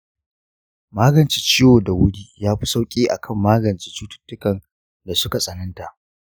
magance ciwo da wuri yafi sauki akan magance cututtukan da suka tsananta.